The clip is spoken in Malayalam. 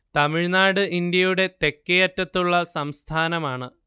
തമിഴ്നാട് ഇന്ത്യയുടെ തെക്കേയറ്റത്തുള്ള സംസ്ഥാനമാണ്